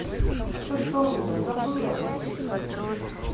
а ты что меня забыла джой